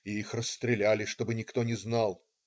И их расстреляли, чтобы никто не знал".